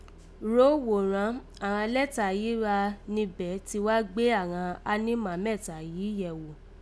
Rò ó wò rán, àghan lẹ́tà yìí gha ni bẹ̀ ti wá gbé àghan ànímá mẹ́ta yìí yẹ̀ wò